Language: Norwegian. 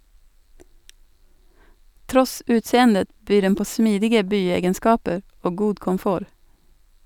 Tross utseendet byr den på smidige byegenskaper og god komfort.